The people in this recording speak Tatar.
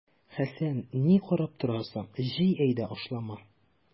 Хәсән, ни карап торасың, җый әйдә ашлама!